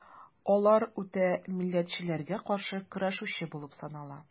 Алар үтә милләтчеләргә каршы көрәшүче булып санала.